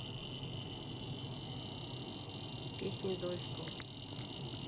песни дольского